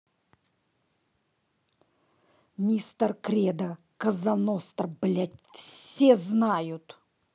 мистер кредо коза ностра блядь все знают